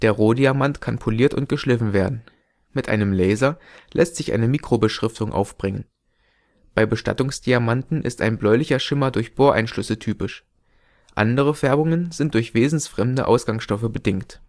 Rohdiamant kann poliert und geschliffen werden. Mit einem Laser lässt sich eine Mikrobeschriftung aufbringen. Bei „ Bestattungsdiamanten “ist ein bläulicher Schimmer durch Boreinschlüsse typisch. Andere Färbungen sind durch wesensfremde Ausgangsstoffe bedingt